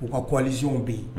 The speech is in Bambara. U ka coalition bɛ